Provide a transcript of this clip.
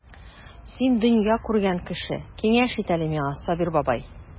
Син дөнья күргән кеше, киңәш ит әле миңа, Сабир бабай.